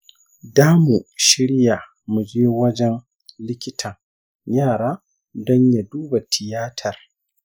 damu shirya muje wajen likitan yara don ya duba tiyatar.